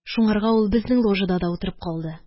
Шуңарга ул безнең ложада да утырып калды.